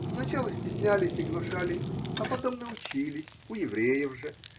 Сначала стеснялись и гнушались, а потом научились у евреев же.